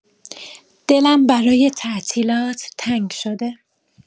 دلم برای تعطیلات تنگ شده